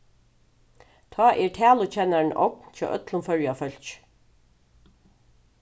tá er talukennarin ogn hjá øllum føroya fólki